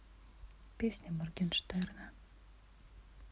песня моргенштерна